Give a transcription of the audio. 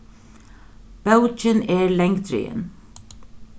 bókin er langdrigin